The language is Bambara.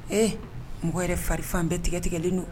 Ee mɔgɔ yɛrɛ farifan bɛɛ tigɛtigɛlen don.